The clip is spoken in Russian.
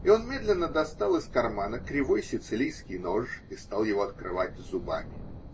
И он медленно достал из кармана кривой сицилийский нож и стал его открывать зубами.